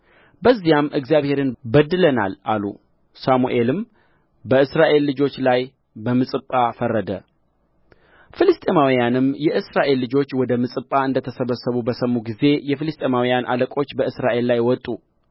በዚያም እግዚአብሔርን በድለናል አሉ ሳሙኤልም በእስራኤል ልጆች ላይ በምጽጳ ፈረደ ፍልስጥኤማውያንም የእስራኤል ልጆች ወደ ምጽጳ እንደ ተሰበሰቡ በሰሙ ጊዜ የፍልስጥኤማውያን አለቆች በእስራኤል ላይ ወጡ